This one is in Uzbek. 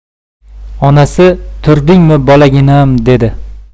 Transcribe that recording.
onasi turdingmi bolaginam dedi